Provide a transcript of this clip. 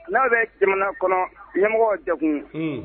N'a bɛ jamana kɔnɔ ɲɛmɔgɔ jakun